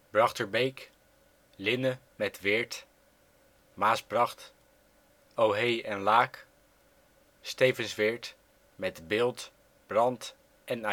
Brachterbeek Linne, met Weerd Maasbracht Ohé en Laak Stevensweert, met Bilt, Brandt en